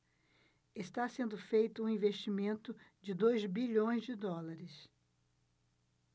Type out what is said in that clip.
está sendo feito um investimento de dois bilhões de dólares